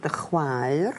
...dy chwaer